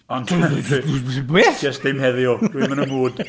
Ond beth?!... Jyst ddim heddiw, dwi'm yn y mood.